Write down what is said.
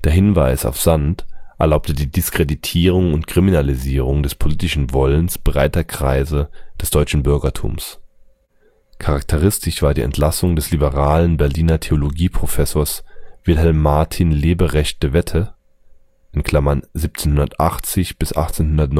Hinweis auf Sand erlaubte die Diskreditierung und Kriminalisierung des politischen Wollens breiter Kreise des deutschen Bürgertums. Charakteristisch war die Entlassung des liberalen Berliner Theologieprofessors Wilhelm Martin Leberecht de Wette (1780 – 1849